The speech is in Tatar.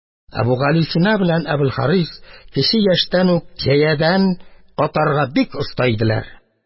Әбүгалисина белән Әбелхарис кече яшьтән үк җәядән атарга бик оста иделәр.